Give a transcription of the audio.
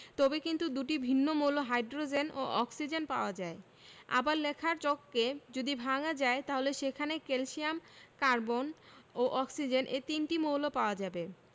তবে কিন্তু দুটি ভিন্ন মৌল হাইড্রোজেন ও অক্সিজেন পাওয়া যায় আবার লেখার চককে যদি ভাঙা যায় তাহলে সেখানে ক্যালসিয়াম কার্বন ও অক্সিজেন এ তিনটি মৌল পাওয়া যাবে